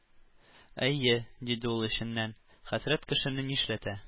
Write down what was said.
«әйе,— диде ул эченнән,—хәсрәт кешене нишләтә!»